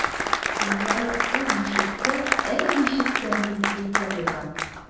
Уллары ул бишектә әнә ничек тәмле итеп йоклап ята!